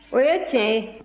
o ye tiɲɛ ye